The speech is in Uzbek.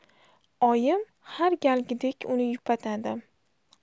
oyim har galgidek uni yupatadi